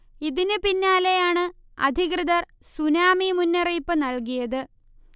ഇതിന് പിന്നാലെയാണ് അധികൃതർ സുനാമി മുന്നറിയിപ്പ് നൽകിയത്